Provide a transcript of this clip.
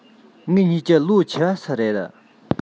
ངེད གཉིས ཀྱི ལོ ཆེ བ སུ རེད